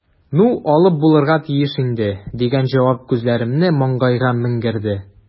"ну, алып булырга тиеш инде", – дигән җавап күзләремне маңгайга менгерде.